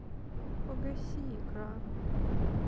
погаси экран